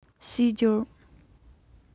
ཞེས བརྗོད